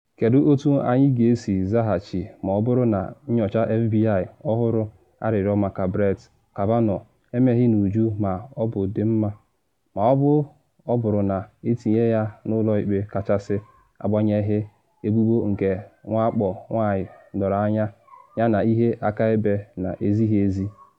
“Kedu otu anyị ga-esi zaghachi ma ọ bụrụ na nnyocha F.B.I ọhụrụ arịrịọ maka Brett Kavanaugh emeghị n’uju ma ọ bụ dị mma - ma ọ bụ ọ bụrụ na etinye ya na Ụlọ Ikpe Kachasị agbanyeghị ebubo nke nwakpo nwanyị doro anya yana ihe akaebe na ezighi ezi?